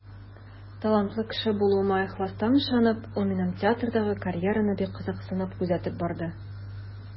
Талантлы кеше булуыма ихластан ышанып, ул минем театрдагы карьераны бик кызыксынып күзәтеп барды.